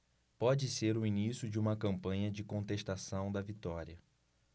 pode ser o início de uma campanha de contestação da vitória